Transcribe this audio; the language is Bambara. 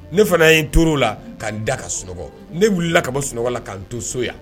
Ne fana ye n to la' da ka sunɔgɔ ne wulila ka bɔ sunɔgɔ la ka n to so yan